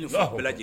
I'ɔ lajɛ